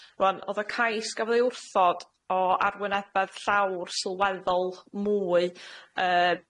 Rŵan o'dd y cais gafodd ei wrthod o arwynebedd llawr sylweddol mwy yy